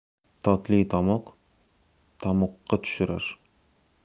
totli tomoq tamuqqa tushirar